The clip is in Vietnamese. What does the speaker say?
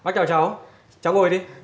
bác chào cháu cháu ngồi đi